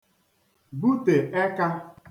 butè ẹkā